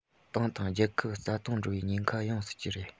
ཏང དང རྒྱལ ཁབ རྩ སྟོངས འགྲོ བའི ཉེན ཁ ཡོང སྲིད ཀྱི རེད